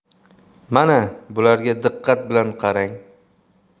mana bularga diqqat bilan qarang